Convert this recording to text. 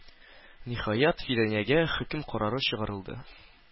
Ниһаять, Фиданиягә хөкем карары чыгарылды.